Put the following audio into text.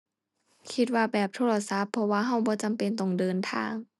คิดว่าแบบโทรศัพท์ เพราะว่าเราบ่จำเป็นต้องเดินทาง